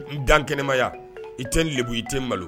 N dan kɛnɛmaya i tɛ le i tɛ n malo